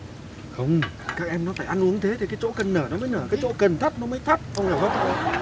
không các em nó phải ăn uống thế thì cái chỗ cần nở nó mới nở cái chỗ cần thấp nó mới thấp ông hiểu không